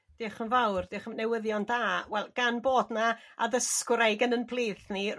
Diolch yn fawr diolch am newyddion da wel gan bod 'na addysgwraig yn ein plith ni